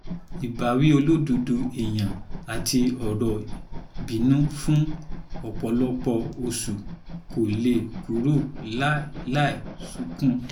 Ìbáwí olódodo èèyàn, àti ọ̀rọ̀ bínú fún ọ̀pọ̀lọpọ̀ oṣù, kò lè kúrò láa láì sunkún.